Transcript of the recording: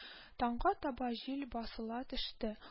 Таңга таба җил басыла төште